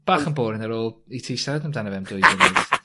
...bach yn boring ar ôl i ti siarad amdano fe am dwy funud.